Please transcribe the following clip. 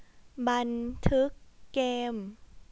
บันทึกเกม